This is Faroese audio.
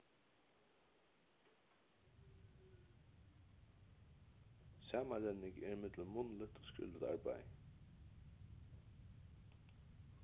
samanrenning er millum munnligt og skrivligt arbeiði